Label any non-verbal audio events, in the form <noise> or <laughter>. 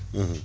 <hesitation> <hesitation>